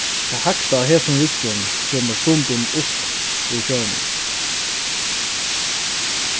tað hægsta á hesum ryggjum kemur stundum upp úr sjónum